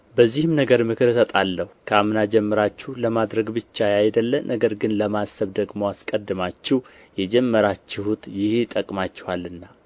በዚህም ነገር ምክር እሰጣለሁ ከአምና ጀምራችሁ ለማድረግ ብቻ ያይደለ ነገር ግን ለማሰብ ደግሞ አስቀድማችሁ የጀመራችሁት ይህ ይጠቅማችኋልና